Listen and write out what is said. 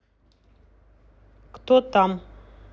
кто там